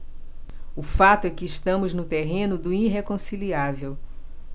o fato é que estamos no terreno do irreconciliável